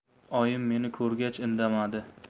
oyim meni ko'rgach indamadi